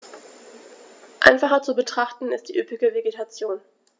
Einfacher zu betrachten ist die üppige Vegetation.